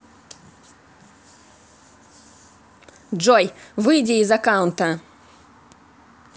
джой выйди из аккаунта